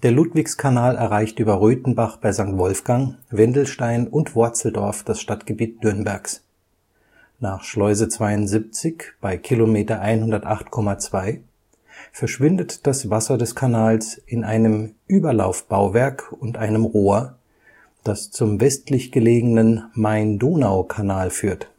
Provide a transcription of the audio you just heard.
Ludwigskanal erreicht über Röthenbach bei Sankt Wolfgang, Wendelstein und Worzeldorf das Stadtgebiet Nürnbergs. Nach Schleuse 72 (km 108,2) verschwindet das Wasser des Kanals in einem Überlaufbauwerk und einem Rohr, das zum westlich gelegenen Main-Donau-Kanal führt